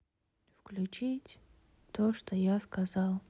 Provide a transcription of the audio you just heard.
выключить то что я сказал